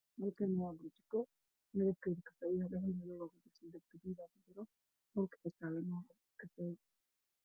Waa baaf waxaa ku jira dhuxul dab ayaa ka daaran oo saaran